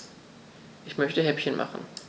Ich möchte Häppchen machen.